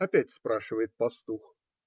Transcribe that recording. - опять спрашивает пастух.